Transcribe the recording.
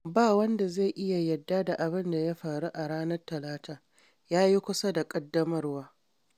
Ba wanda zai iya yarda da abin da ya faru a ranar Talata, ya yi kusa da ƙaddamarwar.